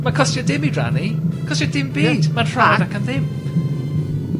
Ma'n costio dim i rhannu. Costio dim byd... Ie. ....ma'n rhad... A... ....ac am ddim.